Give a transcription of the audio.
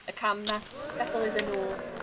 y cam 'na. Gadal iddyn nw